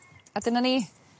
a dyna ni.